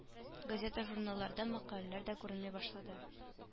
Газета-журналларда мәкаләләр дә күренми башлады